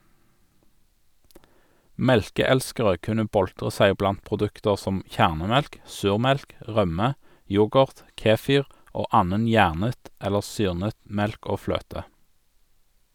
Melkeelskere kunne boltre seg blant produkter som kjernemelk, surmelk, rømme, yoghurt, kefir og annen gjærnet eller syrnet melk og fløte.